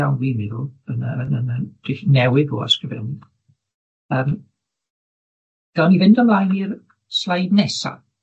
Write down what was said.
iawn dwi'n meddwl yn y yn yn yn dull newydd o ysgrifennu yym gawn ni fynd ymlaen i'r sleid nesa?